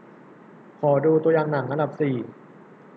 ขอดูตัวอย่างหนังอันดับสี่